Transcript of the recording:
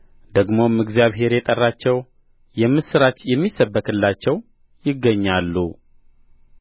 ደግሞም እግዚአብሔር የጠራቸው የምስራች የሚሰበከላቸው ይገኛሉ